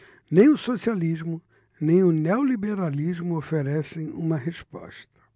nem o socialismo nem o neoliberalismo oferecem uma resposta